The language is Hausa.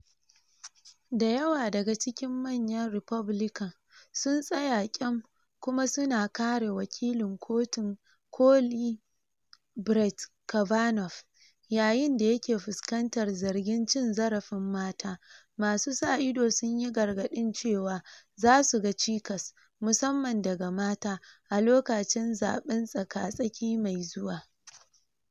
Da yawa daga cikin manya Republican sun tsaya kyam kuma su na kare wakilin Kotun Koli Brett Kavanaugh yayin da yake fuskantar zargin cin zarafin mata, masu sa ido sun yi gargadin cewa za su ga cikas, musamman daga mata, a lokacin zaɓen a tsaka-tsaki mai zuwa.